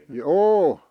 joo